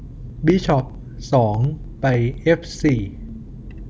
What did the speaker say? บิชอปสองไปเอฟสี่